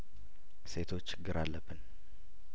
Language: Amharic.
ሴቶች ችግር አለብን